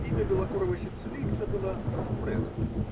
Имя белокурого сицилийца было Гоффредо